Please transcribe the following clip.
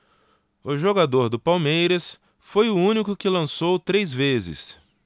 o jogador do palmeiras foi o único que lançou três vezes